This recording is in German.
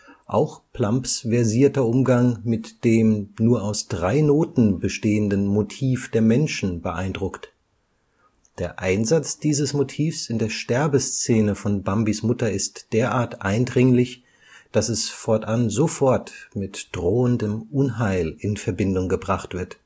Auch Plumbs versierter Umgang mit dem nur aus drei Noten bestehenden Motiv der Menschen beeindruckt. Der Einsatz dieses Motivs in der Sterbeszene von Bambis Mutter ist derart eindringlich, dass es fortan sofort mit drohendem Unheil in Verbindung gebracht wird